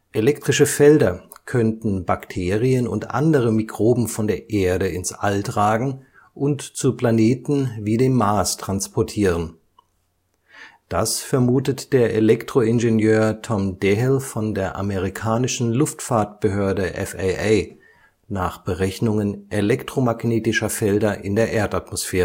Elektrische Felder könnten Bakterien und andere Mikroben von der Erde ins All tragen und zu Planeten wie dem Mars transportieren. Das vermutet der Elektroingenieur Tom Dehel von der amerikanischen Luftfahrtbehörde FAA nach Berechnungen elektromagnetischer Felder in der Erdatmosphäre